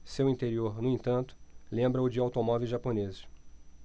seu interior no entanto lembra o de automóveis japoneses